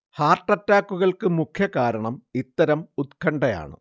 heart അറ്റാക്കുകൾക്കു മുഖ്യ കാരണം ഇത്തരം ഉത്കണഠയാണ്